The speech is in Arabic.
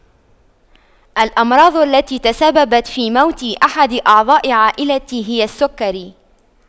الأمراض التي تسببت في موت أحد اعضاء عائلتي هي السكري